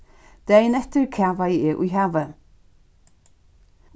dagin eftir kavaði eg í havið